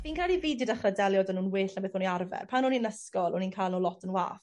Fi'n credu fi 'di dechre delio 'dy nw'n well na beth o'n i arfer. Pan o'n i'n ysgol o'n i'n ca'l n'w lot yn wath.